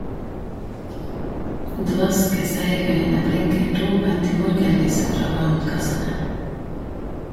Dvaske seiøyne blinker dovent i morgenlyset fra agnkassene.